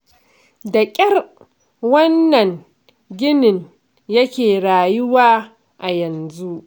Da ƙyar wannan ginin yake rayuwa a yanzu.